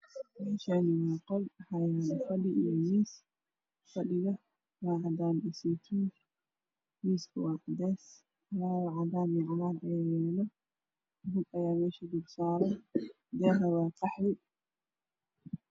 Meeshaan waa qol waxaa yaalo fadhi iyo miis. Fadhiga cadaan iyo seytuun, miiska waa cadeys falaawar cagaar iyo cadaan ah ayaa yaalo. Daahana waa qaxwi.